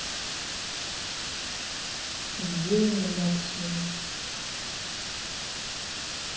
сделано максимум